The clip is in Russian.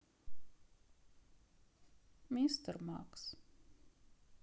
мистер макс